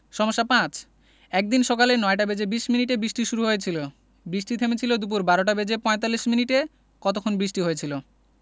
সমস্যা ৫ একদিন সকালে ৯টা বেজে ২০ মিনিটে বৃষ্টি শুরু হয়েছিল বৃষ্টি থেমেছিল দুপুর ১২টা বেজে ৪৫ মিনিটে কতক্ষণ বৃষ্টি হয়েছিল